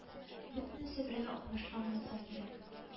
Бөтенесе бергә укмашкан булса кирәк